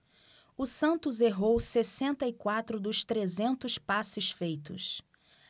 o santos errou sessenta e quatro dos trezentos passes feitos